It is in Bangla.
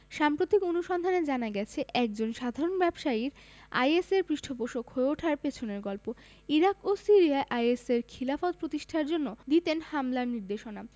সাম্প্রতিক অনুসন্ধানে জানা গেছে একজন সাধারণ ব্যবসায়ীর আইএসের পৃষ্ঠপোষক হয়ে ওঠার পেছনের গল্প ইরাক ও সিরিয়ায় আইএসের খিলাফত প্রতিষ্ঠার জন্য অর্থ পাঠাতেন সাইফুল দিতেন হামলার নির্দেশনা